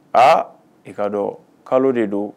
Aa, i k'a dɔn kalo de don